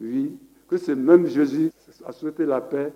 Bise n misizyz a suurte lap